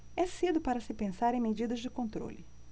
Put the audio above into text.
é cedo para se pensar em medidas de controle